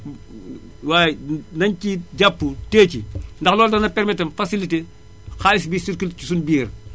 waaye nañ ci jàpp téeye ci ndax loolu dana permettre itam facilité xaalis biy circule ci suñu biir